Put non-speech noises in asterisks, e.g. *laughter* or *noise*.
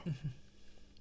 *hesitation* *hesitation*